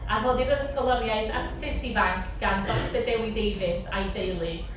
A noddir yr ysgoloriaeth artist ifanc gan Dr Dewi Davies a'i deulu.